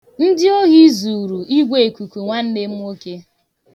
Ndị ohi zuru igweikuku nwanne m nwoke.